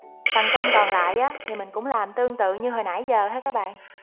phần tôm còn lại thì mình cũng làm tương tự như hồi nãy giờ he các bạn